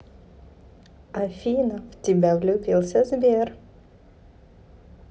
афина в тебя влюбился в сбер